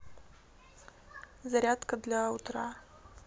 зарядка для утра